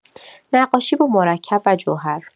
نقاشی با مرکب و جوهر